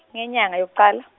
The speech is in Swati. ngenyanga yokucala.